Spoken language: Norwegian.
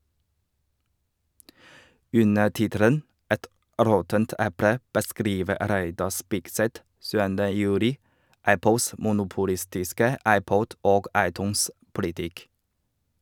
Under tittelen «Et råttent eple» beskriver Reidar Spigseth 7. juli Apples monopolistiske iPod- og iTunes- politikk.